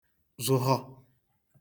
zụhwọ